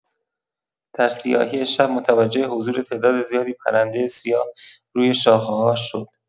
در سیاهی شب متوجه حضور تعداد زیادی پرنده سیاه روی شاخه‌ها شد.